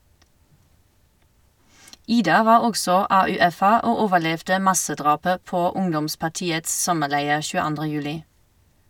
Ida var også AUF-er og overlevde massedrapet på ungdomspartiets sommerleir 22. juli.